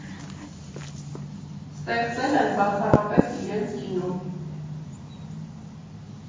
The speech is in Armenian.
Ստեղծել են բացառապես իրենց կինոն։